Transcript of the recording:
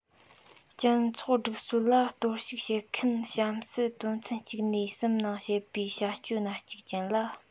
སྤྱི ཚོགས སྒྲིག སྲོལ ལ གཏོར བཤིག བྱེད མཁན གཤམ གསལ དོན ཚན གཅིག ནས གསུམ ནང བཤད པའི བྱ སྤྱོད སྣ གཅིག ཅན ལ